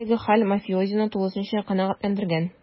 Әлеге хәл мафиозины тулысынча канәгатьләндергән: